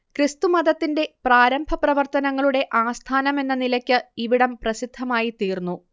ക്രിസ്തുമതത്തിന്റെ പ്രാരംഭപ്രവർത്തനങ്ങളുടെ ആസ്ഥാനമെന്ന നിലയ്ക്ക് ഇവിടം പ്രസിദ്ധമായിത്തീർന്നു